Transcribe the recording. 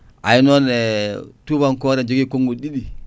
ay noon e tubankore ne jogui konguli ɗiɗi